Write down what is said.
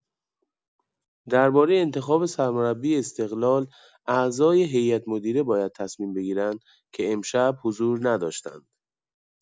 درباره انتخاب سرمربی استقلال اعضای هیئت‌مدیره باید تصمیم بگیرند که امشب حضور نداشتند.